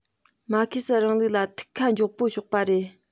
མར ཁེ སིའི རིང ལུགས ལ ཐུགས ཁ མགྱོགས པོ ཕྱོགས པ རེད